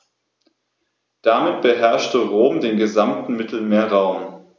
Damit beherrschte Rom den gesamten Mittelmeerraum.